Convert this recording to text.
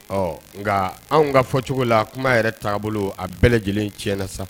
Ɔ nka anw ka fɔ cogo la kuma a yɛrɛ taabolo bolo a bɛɛ lajɛlen tiɲɛna sa